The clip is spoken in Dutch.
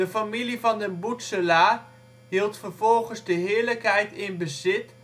familie Van den Boetzelaer hield vervolgens de heerlijkheid in bezit